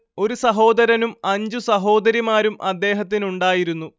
ഒരു സഹോദരനും അഞ്ചു സഹോദരിമാരും അദ്ദേഹത്തിനുണ്ടായിരുന്നു